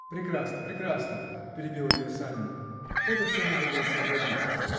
-- Прекрасно, прекрасно, -- перебил ее Санин, -- это все надо будет сообразить.